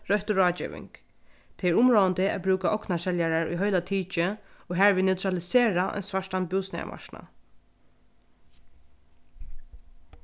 røttu ráðgeving tað er umráðandi at brúka ognarseljarar í heila tikið og harvið neutralisera ein svartan